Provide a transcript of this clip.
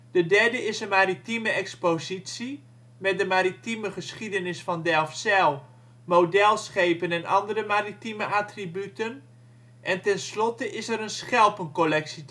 de derde is een maritieme expositie, met de maritieme geschiedenis van Delfzijl, modelschepen en andere maritieme attributen en tenslotte is er een schelpencollectie